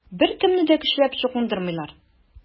Беркемне дә көчләп чукындырмыйлар.